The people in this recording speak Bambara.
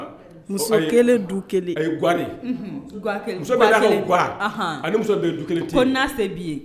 Muso 1 du 1 ayi guwa de unhun duga 1 guwa 1 muso be in'a fɔ guwa anhan ani muso be ye du 1 te ye ko n'a se b'i ye